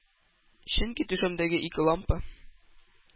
Чөнки түшәмдәге ике лампа